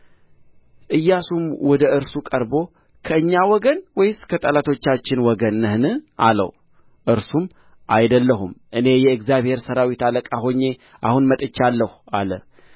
ኢያሱም ወደ እርሱ ቀርቦ ከእኛ ወገን ወይስ ከጠላቶቻችን ወገን ነህን አለው እርሱም አይደለሁም እኔ የእግዚአብሔር ሠራዊት አለቃ ሆኜ አሁን መጥቼአለሁ አለ